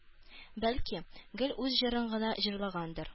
Бәлки, гел үз җырын гына җырлагандыр